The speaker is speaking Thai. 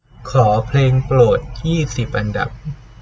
ขอเพลงโปรดยี่สิบอันดับ